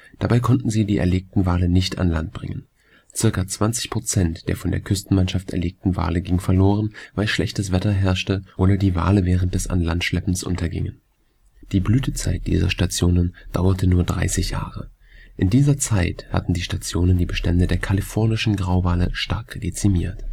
Dabei konnten sie die erlegten Wale nicht an Land bringen. Circa 20 Prozent der von den Küstenmannschaften erlegten Wale gingen verloren, weil schlechtes Wetter herrschte oder die Wale während des Anlandschleppens untergingen. Die Blütezeit dieser Stationen dauerte nur 30 Jahre. In dieser Zeit hatten die Stationen die Bestände der kalifornischen Grauwale stark dezimiert